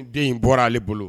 N den in bɔra ale bolo